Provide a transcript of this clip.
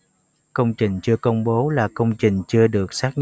công trình chưa công bố là công trình chưa được xác